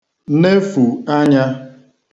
nefù anyā